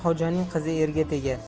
xo'janing qizi erga tegar